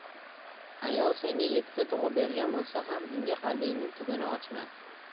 ayol senga yettita tug'ib bergan bo'lsa ham unga qalbingning tubini ochma